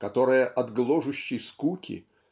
которая от гложущей скуки